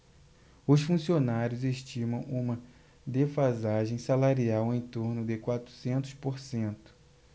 os funcionários estimam uma defasagem salarial em torno de quatrocentos por cento